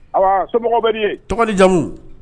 Ayiwa somɔgɔw bɛ ye tɔgɔ jamumu